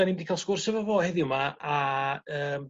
'dan ni'm 'di ca'l sgwrs efo fo heddiw 'ma a yym